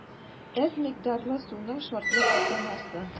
Аз микъдарлы суның шартлы атамасы.